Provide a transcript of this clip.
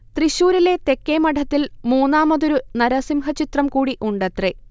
തൃശ്ശൂരിലെ തെക്കേമഠത്തിൽ മൂന്നാമതൊരു നരസിംഹചിത്രം കൂടി ഉണ്ടത്രേ